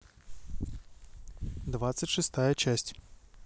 двадцать шестая часть